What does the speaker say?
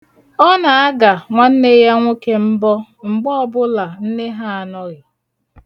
Ọ na-aga nwanne ya nwoke mbọ mgbe ọbụla nne ha anọghị.